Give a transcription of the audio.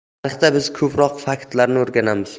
tarixda biz ko'proq faktlarni o'rganamiz